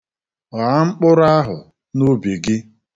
Ghaa mkpụrụ ahụ n'ubi gị